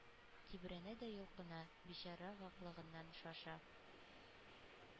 Тибрәнә дә йолкына, бичара гакълыннан шаша;